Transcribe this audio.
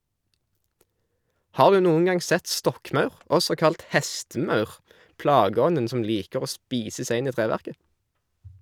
Har du noen gang sett stokkmaur, også kalt hestemaur, plageånden som liker å spise seg inn i treverket?